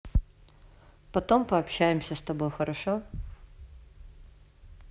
потом пообщаемся с тобой хорошо